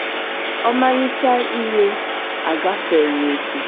Ọmalịcha ihe agafeghị oke.